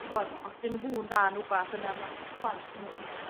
'dych ch'mod os 'dyn nhw'n da'n wbath yna ma'r plant yn mynd i